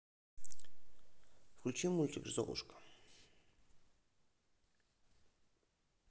включи мультик золушка